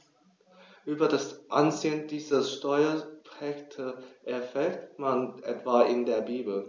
Über das Ansehen dieser Steuerpächter erfährt man etwa in der Bibel.